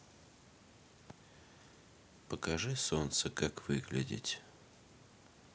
покажи солнце как выглядеть